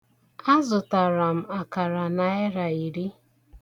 Azụtara m akara naịra iri.